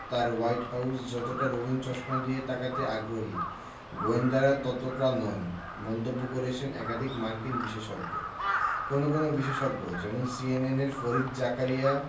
তাঁর White House যতটা রঙিন চশমা দিয়ে তাকাতে আগ্রহী গোয়েন্দারা ততটা নন মন্তব্য করেছেন একাধিক মার্কিন বিশেষজ্ঞ কোনো কোনো বিশেষজ্ঞ যেমন সিএনএনের ফরিদ জাকারিয়া